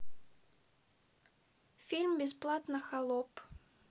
фильм бесплатно холоп